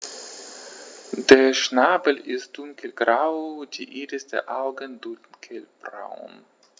Der Schnabel ist dunkelgrau, die Iris der Augen dunkelbraun.